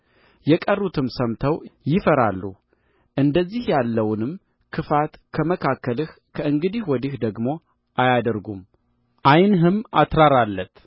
የቀሩትም ሰምተው ይፈራሉ እንደዚህ ያለውንም ክፋት ከመካከልህ ከእንግዲህ ወዲህ ደግሞ አያደርጉም ዓይንህም አትራራለት